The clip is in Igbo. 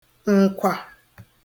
ǹkwà